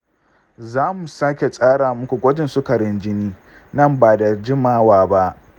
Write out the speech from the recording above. za mu sake tsara muku gwajin sukarin jini nan ba da jimawa ba.